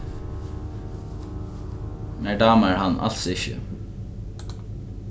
mær dámar hann als ikki